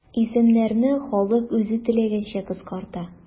Исемнәрне халык үзе теләгәнчә кыскарта.